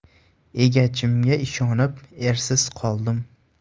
egachimga ishonib ersiz qoldim